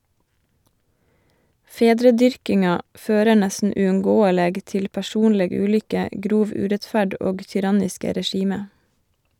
Fedredyrkinga fører nesten uunngåeleg til personleg ulykke, grov urettferd og tyranniske regime.